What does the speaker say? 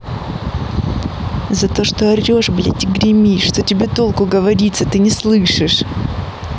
за то что орешь блядь и гремишь что тебе толку говориться ты не слышишь